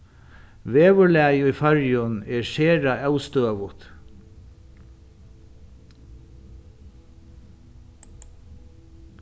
veðurlagið í føroyum er sera óstøðugt